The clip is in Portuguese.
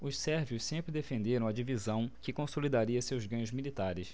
os sérvios sempre defenderam a divisão que consolidaria seus ganhos militares